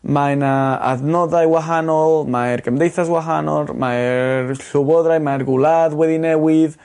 mae 'na addnoddau wahanol mae'r gymdeithas wahanol mae'r llywoddraeth mae'r gwladd wedi newidd.